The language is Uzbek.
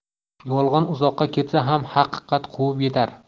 yolg'on uzoqqa ketsa ham haqiqat quvib yetar